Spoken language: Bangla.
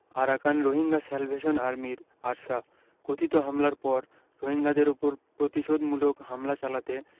আরাকান রোহিঙ্গা স্যালভেশন আর্মির আরসা কথিত হামলার পর রোহিঙ্গাদের ওপর প্রতিশোধমূলক হামলা চালাতে